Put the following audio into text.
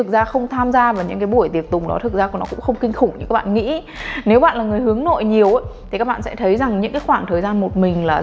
thật ra không tham gia vào các buổi tiệc tùng đó thực ra nó cũng không kinh khủng như các bạn nghĩ nếu các bạn là người hướng nội nhiều thì các bạn sẽ thấy rằng những cái khoảng thời gian một mình là rất